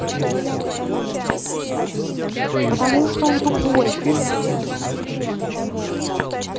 потому что он тупой